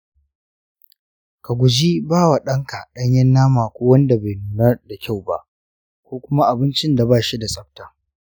ka guji ba wa ɗanka ɗanyen nama ko wanda bai nuna da kyau ba, ko kuma abincin da bashi da tsafta.